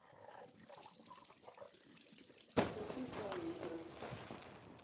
включи свои игры